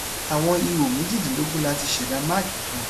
Àwọn ihò méjìdínlógun láti ṣẹ̀dá máàkì kan.